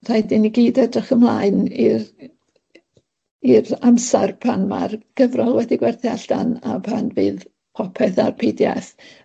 Rhaid i ni gyd edrych ymlaen i'r i'r amsar pan ma'r gyfrol wedi gwerthu allan a pan fydd popeth ar Pee Dee Eff.